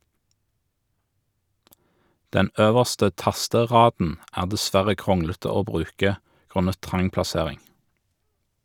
Den øverste tasteraden er dessverre kronglete å bruke grunnet trang plassering.